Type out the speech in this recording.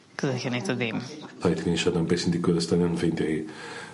'cos ella neith o ddim. A licen i siarad am be' sy'n digwydd os 'dan ni yn ffeindio hi